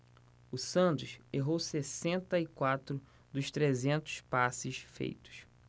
o santos errou sessenta e quatro dos trezentos passes feitos